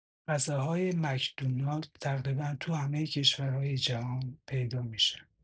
غذاهای مک‌دونالد تقریبا تو همه کشورای جهان پیدا می‌شه.